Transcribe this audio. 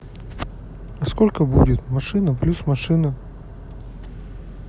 а сколько будет машина плюс машина